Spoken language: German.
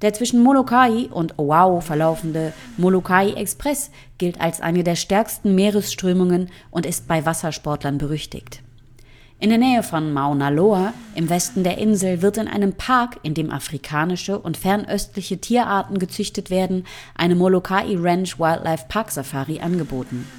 zwischen Molokaʻi und Oʻahu verlaufende „ Molokaʻi Express “gilt als eine der stärksten Meeresströmungen und ist bei Wassersportlern berüchtigt. In der Nähe von Maunaloa, im Westen der Insel, wird in einem Park, in dem afrikanische und fernöstliche Tierarten gezüchtet werden, eine Molokaʻi Ranch Wildlife Park Safari angeboten